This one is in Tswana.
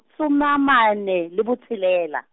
soma amane le botshelela.